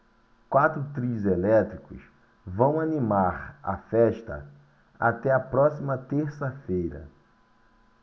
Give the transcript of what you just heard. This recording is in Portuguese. quatro trios elétricos vão animar a festa até a próxima terça-feira